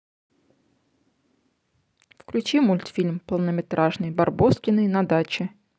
включи мультфильм полнометражный барбоскины на даче